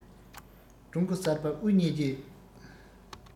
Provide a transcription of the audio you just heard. ཀྲུང གོ གསར པ དབུ བརྙེས རྗེས